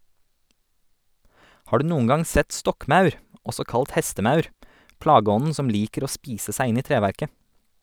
Har du noen gang sett stokkmaur, også kalt hestemaur, plageånden som liker å spise seg inn i treverket?